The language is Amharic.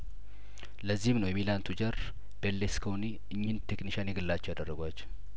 ለዚህም ነው የሚላን ቱጃር ቤርሌስኮኒ እኚህን ቴክኒ ሻን የግላቸው ያደረጓቸው